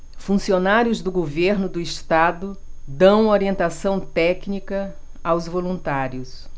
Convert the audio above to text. funcionários do governo do estado dão orientação técnica aos voluntários